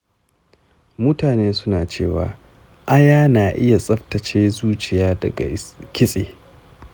mutane suna cewa aya na iya tsaftace zuciya daga kitse.